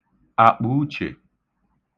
àkpùuchè